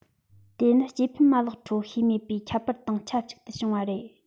དེ ནི སྐྱེ འཕེལ མ ལག ཁྲོད ཤེས མེད པའི ཁྱད པར དང ཆབས ཅིག ཏུ བྱུང བ རེད